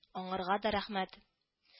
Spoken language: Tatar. Аңарга да рәхмәт